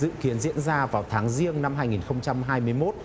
dự kiến diễn ra vào tháng giêng năm hai nghìn không trăm hai mươi mốt